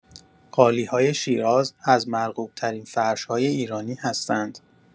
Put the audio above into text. قالی‌های شیراز از مرغوب‌ترین فرش‌های ایرانی هستند.